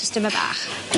Jyst tyme bach.